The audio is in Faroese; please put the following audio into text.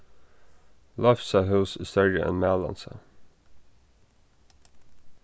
leivsa hús er størri enn malansa